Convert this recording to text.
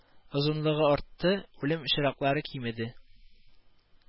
Озынлыгы артты, үлем очраклары кимеде